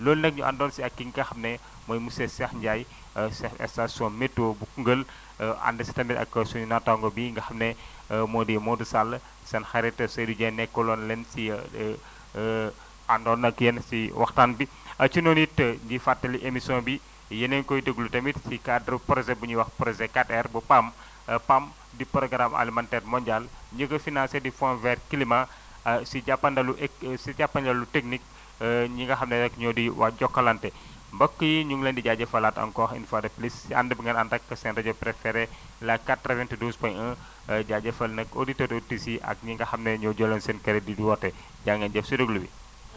loolu nag ñu àndoon si ak ki nga xam ne mooy monsieur Cheikh Ndiaye chef station météo bu Koungheul ànd si tamit ak suñu nàttaangoo bii nga xam ne moo di Modou Sall seen xarit Seydou Dieng nekkaloon leen si àndoon ak yéen si waxtaan bi ak ci noonu it di fàttali émission bi yéen a ngi koy déglu tamit si cadre projet bu ñuy wax projet 4R bu PAM PAM di programme alimentaire mondial ñi ko financé di fond vert climat si jàppandalu éq si jàppandalu technique ñi nga xam ne nag ñoo di waa Jokanalte mbokk yi ñu ngi leen di jaajëfalaat encore une fois de plus si ànd bu ngeen ànd ak seen rajo préférée la 92.1 jaajëfal nag auditeurs auditrices yi ak ñi nga xam ne rek ñoo jëloon seen crédit di woote jaa ngeen jëf si déglu bi